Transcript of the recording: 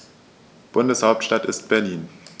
Bundeshauptstadt ist Berlin.